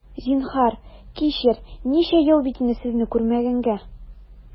Зинһар, кичер, ничә ел бит инде сезне күрмәгәнгә!